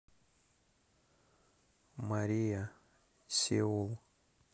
мария сеул